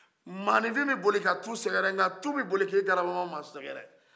mɔgɔni fin bɛ boli ka tu sɛgɛrɛ nka tu bɛ boli ka e grabamama sɛgɛrɛ